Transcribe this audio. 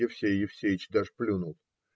Евсей Евсеич даже плюнул.